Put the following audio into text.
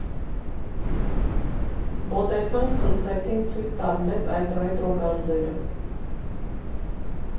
Մոտեցանք, խնդրեցինք ցույց տալ մեզ այդ ռետրո գանձերը։